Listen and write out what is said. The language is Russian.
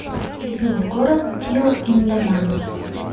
любимый город till lindemann